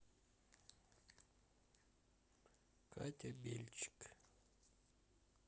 катя бельчик